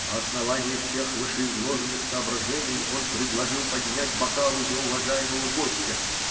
На основании всех вышеизложенных соображений он предложил поднять бокалы за уважаемого гостя.